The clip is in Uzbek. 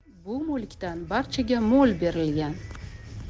bu mulkdan barchaga mo'l berilgan